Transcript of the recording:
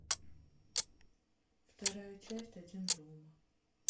вторая часть один дома